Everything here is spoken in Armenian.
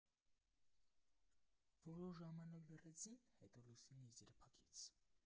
Որոշ ժամանակ լռեցին, հետո Լուսինեն եզրափակեց.